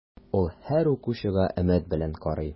Ул һәр укучыга өмет белән карый.